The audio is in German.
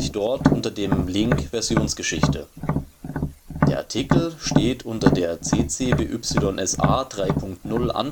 dt/ha